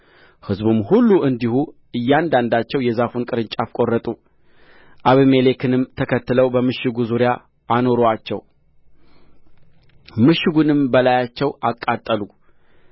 ሕዝቡም ሁሉ እንዲሁ እያንዳንዳቸው የዛፉን ቅርንጫፎች ቈረጡ አቤሜሌክንም ተከትለው በምሽጉ ዙሪያ አኖሩአቸው ምሽጉንም በላያቸው አቃጠሉት